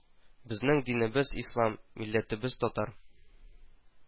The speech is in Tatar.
Безнең динебез ислам, милләтебез татар